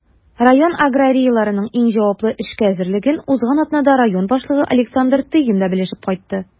Район аграрийларының иң җаваплы эшкә әзерлеген узган атнада район башлыгы Александр Тыгин да белешеп кайтты.